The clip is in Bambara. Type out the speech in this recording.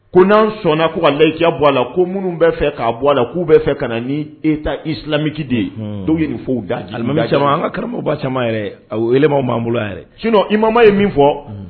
Koan sɔnnana k'u ka lajɛyija bɔ a la ko minnu bɛ fɛ k'a bɔ a la k'u bɛ fɛ ka na ni e ta i lamiki de ye dɔw ye fɔ dalima an ka karamɔgɔmaba camanma a ema'an bolo yɛrɛ sinɔn i mama ye min fɔ